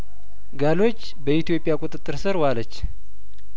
ጋሎጅ በኢትዮጵያ ቁጥጥር ስር ዋለች